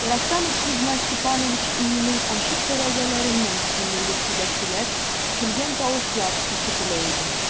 Ерактан ук Кузьма Степанович өенең ачык тәрәзәләреннән күңелле сөйләшүләр, көлгән тавышлар ишетелә иде.